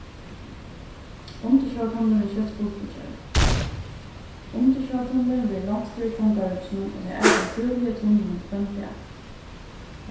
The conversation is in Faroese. undirsjóvartunnilin er skjótt fullfíggjaður undirsjóvartunnilin verður longstur í kongaríkinum og tey arbeiða dúgliga í tunlinum hvønn dag